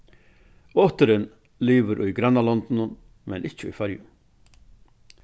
oturin livir í grannalondunum men ikki í føroyum